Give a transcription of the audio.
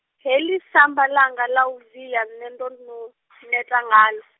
heḽi samba langa ḽa u via nṋe ndo no, neta ngaḽo.